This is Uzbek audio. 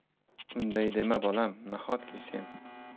unday dema bolam nahotki sen